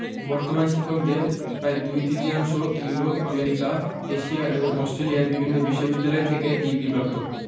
বর্তমান শিক্ষকদের প্রায় দুই তৃতীয়াংশ ইউরোপ আমেরিকা এশিয়া এবং অস্ট্রেলিয়ার বিভিন্ন বিশ্ববিদ্যালয় থেকে ডিগ্রিপ্রাপ্ত